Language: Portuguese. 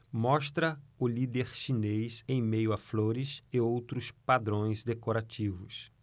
mostra o líder chinês em meio a flores e outros padrões decorativos